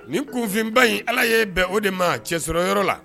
Nin kunfinba in ala ye' bɛn o de ma cɛsɔrɔ yɔrɔ la